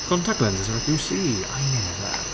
Contact lenses help you see. I never.